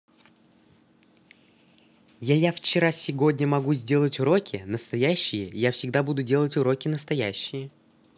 я я вчера сегодня могу сделать уроки настоящие я всегда буду делать уроки настоящие